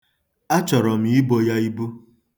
Achọrọ m ibo ya ibu.